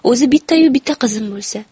o'zi bittayu bitta qizim bo'lsa